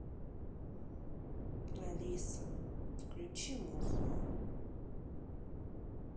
алиса включи музон